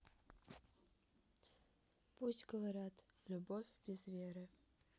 пусть говорят любовь без веры